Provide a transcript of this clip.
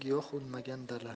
giyoh unmagan dala